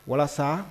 Walasa